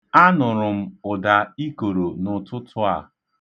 Anụrụ m ụda ikoro n'ụtụtụ a.